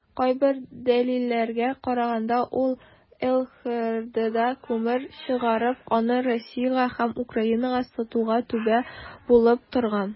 Кайбер дәлилләргә караганда, ул ЛХРда күмер чыгарып, аны Россиягә һәм Украинага сатуга "түбә" булып торган.